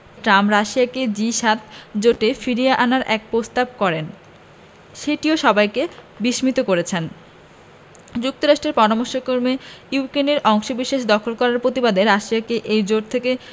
Trump রাশিয়াকে G ৭ জোটে ফিরিয়ে আনার এক প্রস্তাব করেন সেটিও সবাইকে বিস্মিত করেছে যুক্তরাষ্ট্রের পরামর্শেই ইউক্রেনের অংশবিশেষ দখল করার প্রতিবাদে রাশিয়াকে এই জোট থেকে